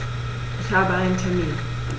Ich habe einen Termin.